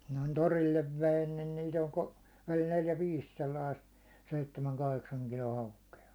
noin torille vein niin niitä oli - oli neljä viisi sellaista seitsemän kahdeksan kilon haukea